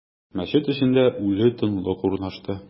Мәчет эчендә үле тынлык урнашты.